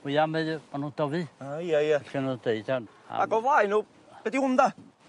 mwya ma' nw'n dyfu. A ia ia. deud ond... Ag o flaen o-... Be' 'di hwn 'da?